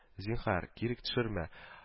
Зинһар, кире төшермә